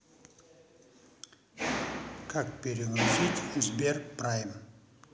как перезагрузить сбер прайм